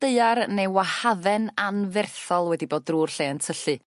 daear neu wahadden anferthol wedi bod drw'r lle yn tyllu